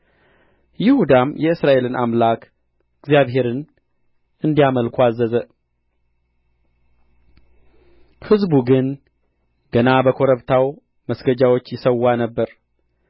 ይሁዳም የእስራኤልን አምላክ እግዚአብሔርን እንዲያመልኩ አዘዘ ሕዝቡ ግን ገና በኮረብታው መስገጃዎች ይሠዋ ነበር